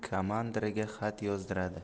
komandiriga xat yozdiradi